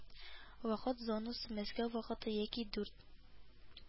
Вакыт зонасы Мәскәү вакыты яки дүрт